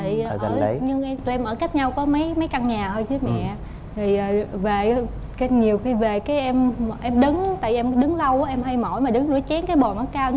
tại ở nhưng tụi em ở cách nhau có mấy mấy căn nhà thôi với mẹ thì về cái nhiều khi về cái em em đứng tại em đứng lâu em hay mỏi mà đứng rửa chén cái bồn nó cao